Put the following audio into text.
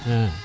xa